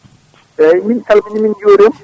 eyyi min salimini min juurima